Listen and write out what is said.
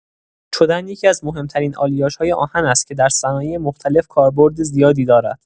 چدن یکی‌از مهم‌ترین آلیاژهای آهن است که در صنایع مختلف کاربرد زیادی دارد.